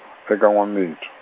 eka N'wamitwa.